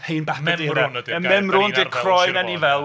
croen anifail.